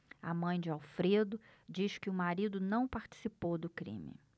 a mãe de alfredo diz que o marido não participou do crime